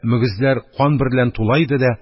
Мөгезләр кан берлән тула иде дә,